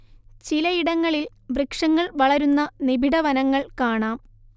ചിലയിടങ്ങളിൽ വൃക്ഷങ്ങൾ വളരുന്ന നിബിഡ വനങ്ങൾ കാണാം